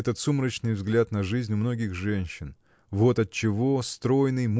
этот сумрачный взгляд на жизнь у многих женщин вот отчего стройный